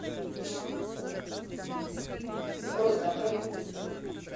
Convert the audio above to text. рот закрой